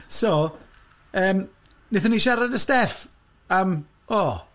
So yym wnaethon ni siarad â Steff am, o...